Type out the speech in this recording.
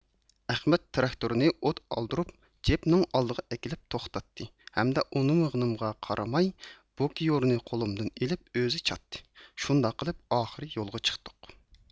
ئەخمەت تراكتورنى ئوت ئالدۇرۇپ جىپنىڭ ئالدىغا ئەكىلىپ توختاتتى ھەمدە ئۇنىمىغىنىمغا قارىماي بوكيۇرنى قولۇمدىن ئېلىپ ئۆزى چاتتى شۇنداق قىلىپ ئاخىرى يولغا چىقتۇق